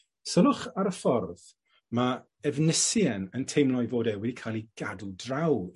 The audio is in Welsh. Sylwch ar y ffordd ma' Efnisien yn teimlo'i fod e wedi ca'l 'i gadw draw